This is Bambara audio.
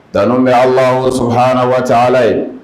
Tanu bɛ Allahu subahaana wa aala ye